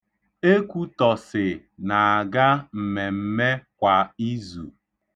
Ekwutọsị na-aga mmemme kwa izu.